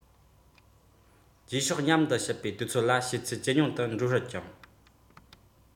རྗེས ཕྱོགས མཉམ དུ གཤིབ པའི དུས ཚོད ལ བྱེད ཚད ཇེ ཉུང དུ འགྲོ སྲིད ཅིང